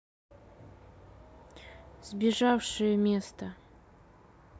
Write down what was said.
сбежавшие место